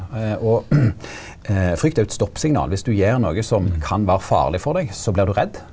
og frykt er jo eit stoppsignal viss du gjer noko som kan vere farleg for deg så blir du redd.